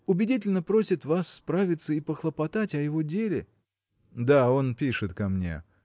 – убедительно просит вас справиться и похлопотать о его деле. – Да, он пишет ко мне.